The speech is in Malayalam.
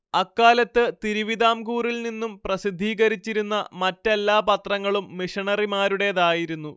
അക്കാലത്ത് തിരുവിതാംകൂറിൽ നിന്നും പ്രസിദ്ധീകരിച്ചിരുന്ന മറ്റെല്ലാ പത്രങ്ങളും മിഷണറിമാരുടേതായിരുന്നു